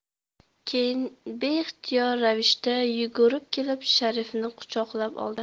keyin beixtiyor ravishda yugurib kelib sharifni quchoqlab oldi